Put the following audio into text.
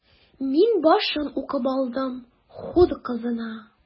Мин башын укып алдым: “Хур кызына”.